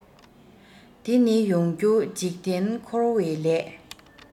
འདི ནི ཡོང རྒྱུ འཇིག རྟེན འཁོར བའི ལས